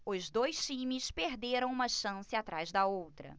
os dois times perderam uma chance atrás da outra